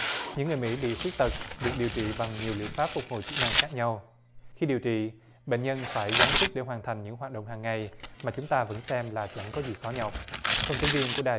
những người mỹ bị khuyết tật được điều trị bằng nhiều liệu pháp phục hồi chức năng khác nhau khi điều trị bệnh nhân phải gắng sức để hoàn thành những hoạt động hằng ngày mà chúng ta vẫn xem là chẳng có gì khó nhọc thông tấn viên của đài